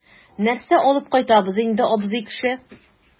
Нәрсә алып кайтабыз инде, абзый кеше?